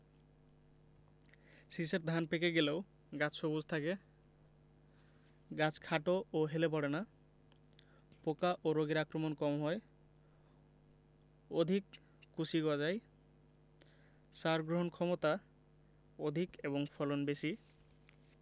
শীষের ধান পেকে গেলেও গাছ সবুজ থাকে গাছ খাটো ও হেলে পড়ে না পোকা ও রোগের আক্রমণ কম হয় অধিক কুশি গজায় সার গ্রহণক্ষমতা অধিক এবং ফলন বেশি